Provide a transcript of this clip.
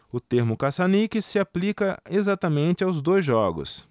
o termo caça-níqueis se aplica exatamente aos dois jogos